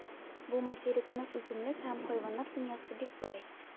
Бу материкның үсемлек һәм хайваннар дөньясы бик бай.